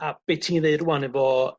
a be' ti'n ddeu rŵan efo